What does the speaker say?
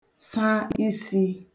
sa isī